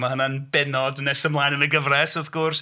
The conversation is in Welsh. Mae hynna'n bennod nes ymlaen yn y gyfres, wrth gwrs.